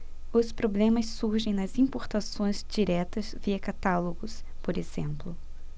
os problemas surgem nas importações diretas via catálogos por exemplo